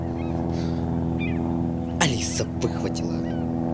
алиса выхватила